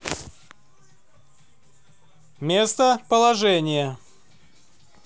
местоположение